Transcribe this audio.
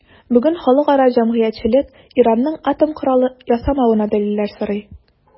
Бүген халыкара җәмәгатьчелек Иранның атом коралы ясамавына дәлилләр сорый.